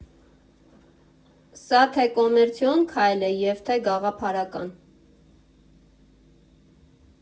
Սա թե՛ կոմերցիոն քայլ է և թե՛ գաղափարական։